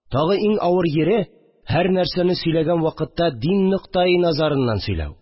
Тагы иң авыр йире – һәр нәрсәне сөйләгән вакытта дин ноктаи назарыннан сөйләү